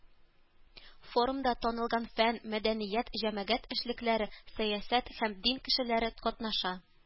Форумда танылган фән, мәдәният, җәмәгать эшлекләре, сәясәт һәм дин кешеләре катнаша.